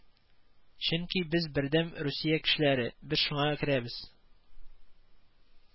Чөнки без Бердәм Русия кешеләре, без шуңа керәбез